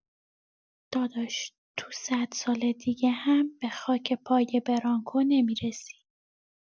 داداش تو صدسال دیگه به خاک پای برانکو نمی‌رسی!